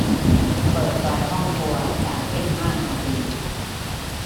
เปิดไฟห้องครัวสามสิบห้านาที